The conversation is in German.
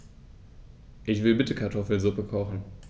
Ich will bitte Kartoffelsuppe kochen.